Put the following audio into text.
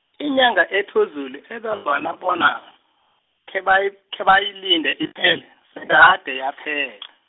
inyanga ephezulu ebezwana bona, khebay-, khebayilinde iphele, sekade yaphela.